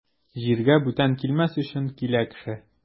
Җиргә бүтән килмәс өчен килә кеше.